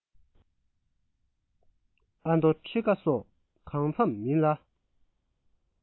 ཨ མདོའི ཁྲི ཀ སོགས གང འཚམ མིན ལ